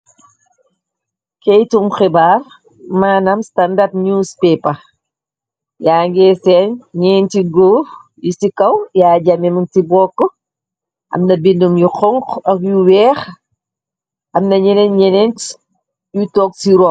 keytum xibaar maanam standard news paper yaa nge seeñ ñeen ci goof yi ci kaw yaa jamem ci bokk amna bindum yu xon a yu weex amna ñeneen ñeneen yu toog ci rop